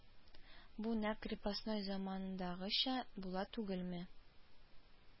Бу нәкъ крепостной замандагыча була түгелме